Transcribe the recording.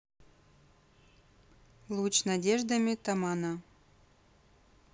луч надеждами тамана